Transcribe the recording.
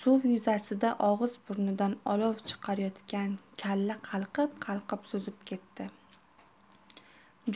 suv yuzasida og'izburnidan olov chiqarayotgan kalla qalqib qalqib suzib ketdi